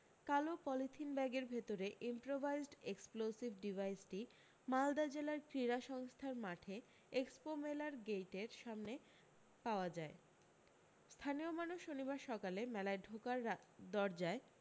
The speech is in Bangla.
কালো পলিথিন ব্যাগের ভিতরে ইম্প্রোভাইজড এক্সপ্লোসিভ ডিভাইসটি মালদা জেলার ক্রীড়া সংস্থার মাঠে এক্সপো মেলার গেটের সামনে পাওয়া যায় স্থানীয় মানুষ শনিবার সকালে মেলায় ঢোকার দরজায়